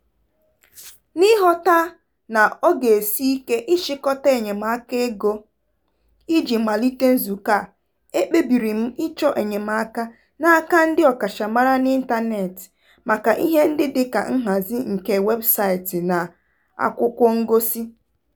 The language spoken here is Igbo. N'ịghọta na ọ ga-esi ike ịchịkọta enyemaaka ego iji malite nzukọ a, e kpebiri m ịchọ enyemaka n'aka ndị ọkachamara n'ịntanetị maka ihe ndị dịka nhazị nke weebụsaịtị na akwụkwọngosi.